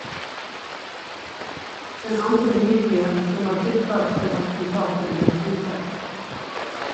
Den andre libyeren som var tiltalt for attentatet ble frikjent.